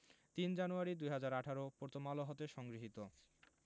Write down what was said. ০৩ January ২০১৮ Prothom Alo হতে সংগৃহীত